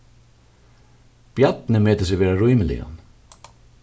bjarni metir seg vera rímiligan